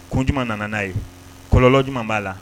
Ko ɲuman nana n'a ye kɔlɔlɔnlɔuma b'a la